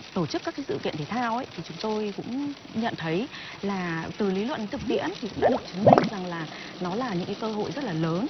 tổ chức các cái sự kiện thể thao ấy thì chúng tôi cũng nhận thấy là từ lý luận đến thực tiễn thì cũng đã được chứng minh rằng là nó là những cái cơ hội rất là lớn